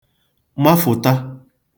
mafụ̀ta